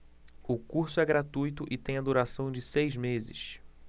o curso é gratuito e tem a duração de seis meses